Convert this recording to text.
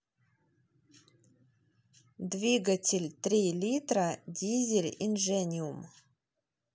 двигатель три литра дизель инжениум